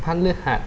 พฤหัส